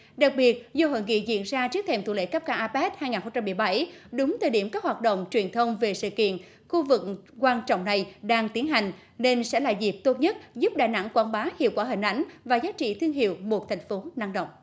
đặc biệt do hội nghị diễn ra trước thềm thủ lĩnh cấp cao a pec hai ngàn không trăm mười bảy đúng thời điểm các hoạt động truyền thông về sự kiện khu vực quan trọng này đang tiến hành nên sẽ là dịp tốt nhất giúp đà nẵng quảng bá hiệu quả hình ảnh và giá trị thương hiệu một thành phố năng động